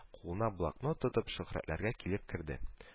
Кулына блокнот тотып, шөһрәтләргә килеп керде